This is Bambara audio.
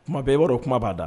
Kuma i'a kuma b'a da